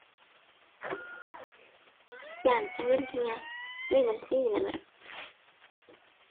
ย้านแต่เงินเหี่ย ในบัญชีน่ะแหละ